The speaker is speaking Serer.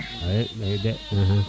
ey leyi de axa